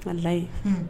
'la ye